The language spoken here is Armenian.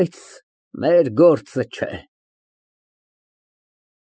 Բայց մեր գործը չէ։